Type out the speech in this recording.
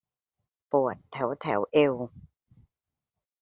ปวดแถวแถวเอว